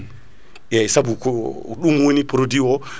eyyi saabu ko ko ɗum woni produit o